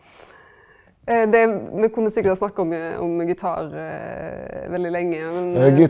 det me kunne sikkert snakka om om gitar veldig lenge men.